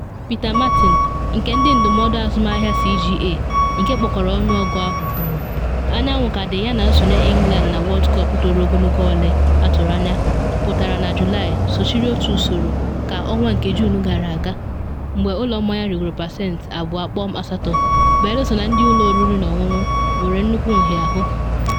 Peter Martin, nke ndị ndụmọdụ azụmahịa CGA, nke kpokọrọ ọnụọgụ ahụ, kwuru: “Anyanwụ ka dị yana nsonye England na World Cup toro ogologo ole atụrụ anya pụtara na Julaị sochiri otu usoro ka ọnwa nke Juun gara aga, mgbe ụlọ mmanya rịgoro pasentị 2.8, belụsọ na ndị ụlọ oriri na ọṅụṅụ nwere nnukwu nhịahụ.